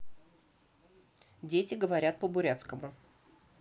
дети говорят по бурятскому